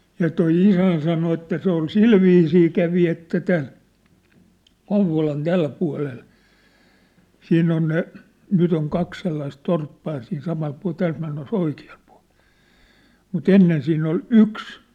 ja tuo isäni sanoi että se oli sillä viisiin kävi että tämän Kouvolan tällä puolella sinne on ne nyt on kaksi sellaista torppaa ja siinä samalla puolella täältä mennessä oikealla puolella mutta ennen siinä oli yksi